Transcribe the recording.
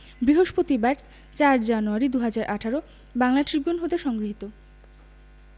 বৃহস্পতিবার ০৪ January ২০১৮ Bangla Tribune হতে সংগৃহীত